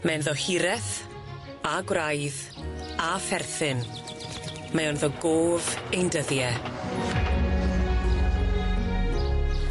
Mae ynddo hireth, a gwraidd, a pherthyn. Mae ynddo gof ein dyddie.